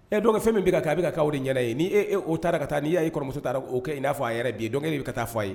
Ɛ donc fɛn min bɛ ka kɛ, a bɛ k'aw de ɲɛna ye. N'i e e o taara ka taa, n'i y'a ye e kɔrɔmuso taara o kɛ i n'a fɔ a yɛrɛ bi ye donc e de bɛ ka t'a fɔ a ye.